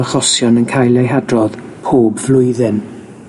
achosion yn cael eu hadrodd pob flwyddyn.